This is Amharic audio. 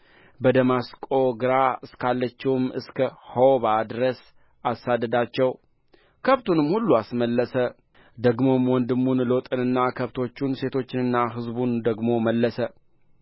በደማስቆ ግራ እስካለችውም እስከ ሖባ ድረስ አሳደዳቸው ከብቱንም ሁሉ አስመለሰ ደግሞም ወንድሙን ሎጥንና ከብቶቹን ሴቶችንና ሕዝቡን ደግሞ መለሰ